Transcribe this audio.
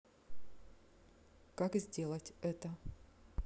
как сделать это